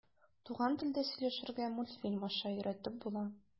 Туган телдә сөйләшергә мультфильм аша өйрәтеп була.